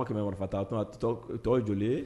Kɛmɛ marifa taa tɔgɔ ye joli ye